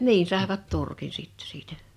niin saivat turkin sitten siitä